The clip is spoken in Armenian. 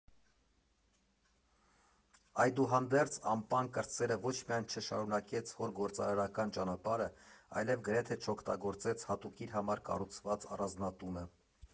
Այդուհանդերձ, Ամպան֊կրտսերը ոչ միայն չշարունակեց հոր գործարարական ճանապարհը, այլև գրեթե չօգտագործեց հատուկ իր համար կառուցված առանձնատունը։